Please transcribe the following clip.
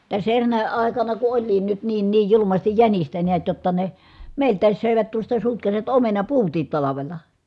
tässä eräänä aikana kun olikin nyt niin niin julmasti jänistä näet jotta ne meiltäkin söivät tuosta sutkasivat omenapuutkin talvella